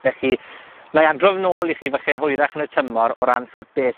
Felly, 'nai adrodd nôl i chi falle'n hwyrach yn y tymor, o ran shwt beth